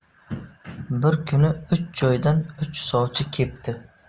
bir kuni uch joydan uch sovchi kepti